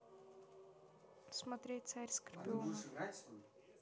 смотреть царь скорпионов